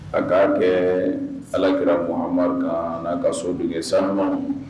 A k'a kɛ alakira koma n' ka so bi kɛ san